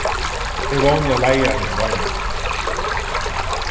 eg vóni at leiðarin ikki varnast tað